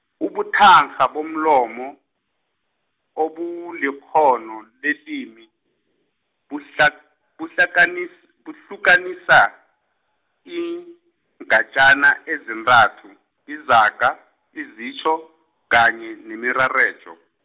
ubuthankgha bomlomo, obulikghono lelimi, buhla-, buhlakanis- buhlukanisa, iingatjana ezintathu, izaga, izitjho, kanye nemirarejo.